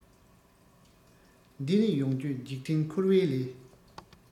འདི ནི ཡོང རྒྱུ འཇིག རྟེན འཁོར བའི ལས